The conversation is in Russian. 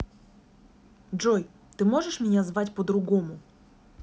джой ты можешь меня звать по другому